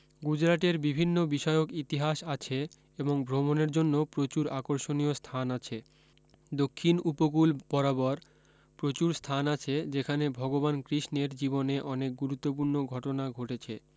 গুজরাটের বিভিন্ন বিষয়ক ইতিহাস আছে এবং ভ্রমণের জন্য প্রচুর আকর্ষণীয় স্থান আছে দক্ষিণ উপকূল বরাবর প্রচুর স্থান আছে যেখানে ভগবান কৃষ্ণের জীবনে অনেক গুরুত্বপূর্ণ ঘটনা ঘটেছে